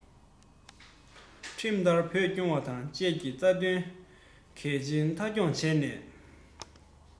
ཁྲིམས ལྟར བོད སྐྱོང བ དང བཅས ཀྱི རྩ དོན གལ ཆེན མཐའ འཁྱོངས བྱས ནས